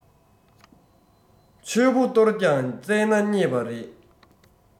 འཆོལ པོ སྟོར ཀྱང བཙལ ནས རྙེད པ རེད